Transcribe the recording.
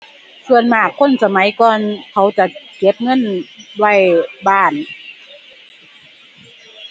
ส่วนมากคนสมัยก่อนเขาจะเก็บเงินไว้บ้าน